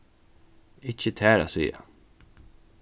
ikki tær at siga